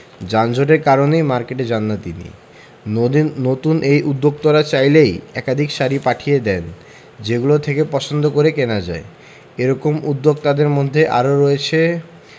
যানজটের কারণেই মার্কেটে যাননি তিনি নতুন এই উদ্যোক্তারা চাইলে একাধিক শাড়ি পাঠিয়ে দেন যেগুলো থেকে পছন্দ করে কেনা যায় এ রকম উদ্যোক্তাদের মধ্যে আরও রয়েছে